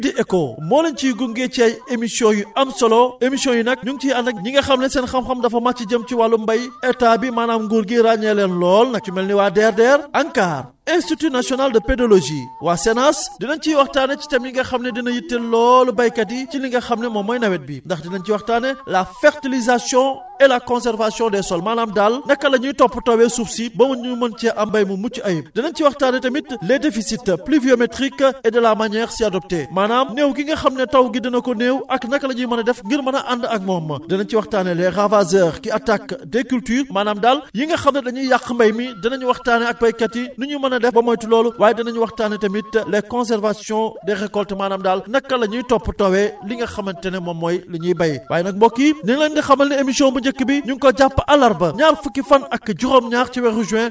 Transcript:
nawet bi door na ndax taw yu njëkk yi gis nañu leen ba tax na projet bii di ECHO moo leen ciy gunge ci ay émission yu am solo émission yi nag ñu ngi ciy ànd ak ñi nga xam ne seen xam-xam dafa màcc jëm ci wàllum mbay Etat bi maanaam nguur gi ràññee leen lool nag ci mel ni waa DRDR ANCAR institut naional de pédologie waa CNAAS di nañ ciy waxtaanee ci thème yi nga xam ne dina yitteel loolu baykat yi ci li nga xam ne moom mooy nawet bi ndax dinañ ci waxtaane la fertilisation et la consevation des sols maanaam daal naka la ñuy toppatoo suuf si ba mu ñu mën cee am mbay mu mucc ayib dinañ si waxtaanee tamit les déficits pluviométriques et de la manière s' y adopté maanaam néew gi nga xam ne taw bi dina ko néew ak naka la ñuy mën a def ngi mën a ànd ak moom dinañ ci waxtaanee les ravageurs qui attaquent des cultures maanam daal yi nga xam ne dañuy yàq mbay mi dinañu waxtaanee ak baykat yi nu ñuy mën a def ba moytu loolu waaye danañ waxtaan tamit les conservations des récoltes maanaam daal naka lañuy toppatoowee li nga xamante ne moom mooy li ñuy bay